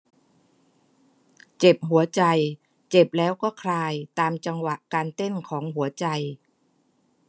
เจ็บหัวใจเจ็บแล้วก็คลายตามจังหวะการเต้นของหัวใจ